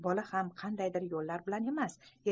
bola ham qandaydir yo'llar bilan